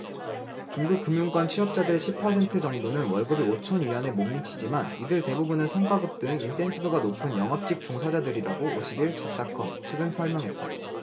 중국 금융권 취업자들의 십 퍼센트 정도는 월급이 오천 위안에 못 미치지만 이들 대부분은 성과급 등 인센티브가 높은 영업직 종사자들이라고 오십 일 잡닷컴 측은 설명했다